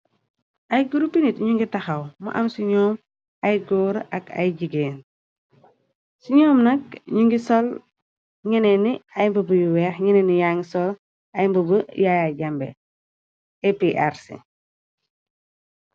Ay gurupi nit ñu ngi taxaw mu am ci ñoom ay góor ak ay jigéen. Noom nak ñu ngi sol ñenee ni ay mbëbu yu weex ñenee ni yangi sol ay mbëbu yaayay jambe aprc.